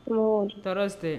Ɔ taara tɛ